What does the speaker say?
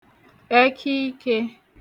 ẹkaikē